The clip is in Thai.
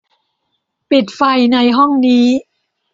ปิดไฟในห้องนี้